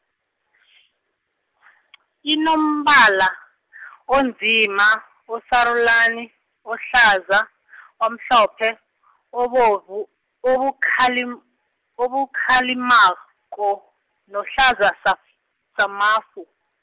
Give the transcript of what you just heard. inombala , onzima, osarulani, ohlaza , omhlophe , obomvu obukhalim- obukhalimako, nohlaza saf- samafu.